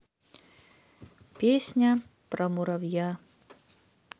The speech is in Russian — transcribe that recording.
песня про муравья